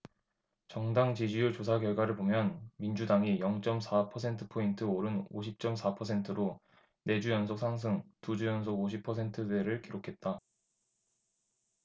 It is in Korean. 정당 지지율 조사결과를 보면 민주당이 영 쩜 사 퍼센트포인트 오른 오십 쩜 사 퍼센트로 네 주 연속 상승 두 주 연속 오십 퍼센트대를 기록했다